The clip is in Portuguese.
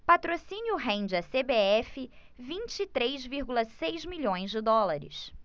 patrocínio rende à cbf vinte e três vírgula seis milhões de dólares